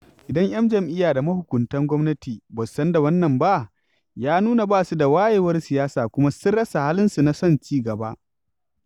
Idan 'yan jam'iyya da mahukuntan gwamnati ba su san da wannan ba, ya nuna ba su da wayewar siyasa kuma sun rasa halinsu na son cigaba.